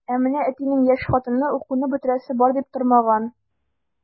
Ә менә әтинең яшь хатыны укуны бетерәсе бар дип тормаган.